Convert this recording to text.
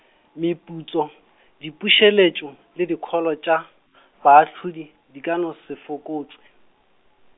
meputso, dipuseletšo le dikholo tša , baahlodi, di ka no se fokotšwe.